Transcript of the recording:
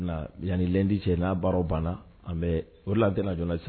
Yananilɛndi cɛ n'a baara banna an bɛ o latj sisan